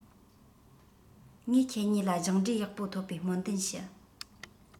ངས ཁྱེད གཉིས ལ སྦྱངས འབྲས ཡག པོ ཐོབ པའི སྨོན འདུན ཞུ